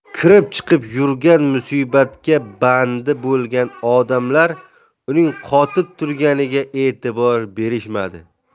kirib chiqib yurgan musibatga bandi bo'lgan odamlar uning qotib turganiga e'tibor berishmadi